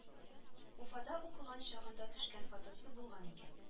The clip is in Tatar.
Уфада укыган чагында төшкән фотосы булган икән